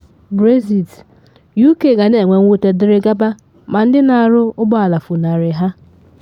Brexit: UK “ga na-enwe nwute dịrị gaba ma ndị na-arụ ụgbọ ala funari ha